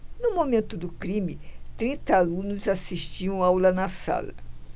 no momento do crime trinta alunos assistiam aula na sala